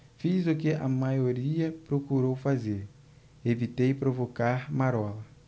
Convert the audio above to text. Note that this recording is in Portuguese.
fiz o que a maioria procurou fazer evitei provocar marola